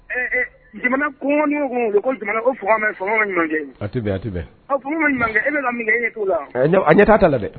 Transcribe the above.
Ɛ ɛ jamana kɔkannamɔgɔw ko jamana, ko fanga maɲi, fanga ma ɲuman kɛ; A tɛ bɛn, a tɛ bɛn; Ɔ, fanga ma ɲuman kɛ,e bɛ ka min kɛ e ɲɛ t'o la wa; A ɲɛ t'a ta la dɛ.